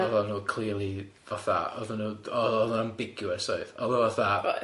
O'dd o'n nw clearly fatha, o'dd o'n nw o'dd o'dd o'n ambiguous oedd o'dd o fatha... Oedd.